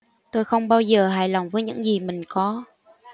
tôi không bao giờ hài lòng với những gì mình có